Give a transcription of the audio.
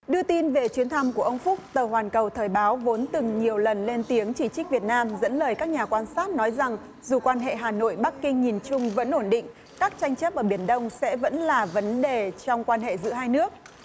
đưa tin về chuyến thăm của ông phúc tờ hoàn cầu thời báo vốn từng nhiều lần lên tiếng chỉ trích việt nam dẫn lời các nhà quan sát nói rằng dù quan hệ hà nội bắc kinh nhìn chung vẫn ổn định các tranh chấp ở biển đông sẽ vẫn là vấn đề trong quan hệ giữa hai nước